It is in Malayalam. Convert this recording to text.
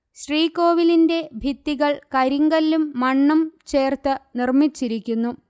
ശ്രീകോവിലിന്റെ ഭിത്തികൾ കരിങ്കല്ലും മണ്ണും ചേർത്ത് നിർമ്മിച്ചിരിക്കുന്നു